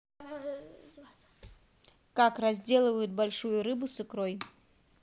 как разделывают большую рыбу с икрой